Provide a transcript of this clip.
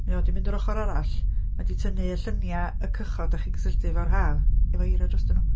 Mae o di mynd yr ochr arall, mae o 'di tynnu lluniau y cychod dach chi'n cysylltu efo'r haf efo eira drostyn nhw.